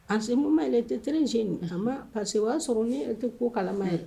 Parce quekuma ma tɛ terire sen parce que o y'a sɔrɔ ni tɛ ko kalama ye